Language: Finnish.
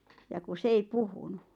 ja kun se ei puhunut